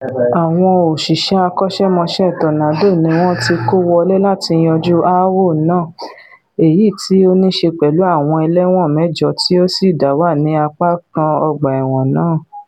Àwọn òṣìṣẹ́ akọ́ṣẹ́mọṣẹ́ ''Tornado'' níwọ́n ti kó wọlé láti yanjú aáwọ̀ náà, èyití o nííṣe pẹ̀lú àwọn ẹlẹ́wọ̀n mẹ́jọ tí ó sì dáwà ní apá kan ọgbà-ẹ̀wọ̀n náà.